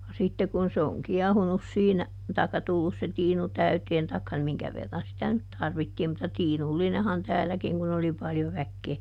ja sitten kun se on kiehunut siinä tai tullut se tiinu täyteen tai niin minkä verran sitä nyt tarvittiin mutta tiinullinenhan täälläkin kun oli paljon väkeä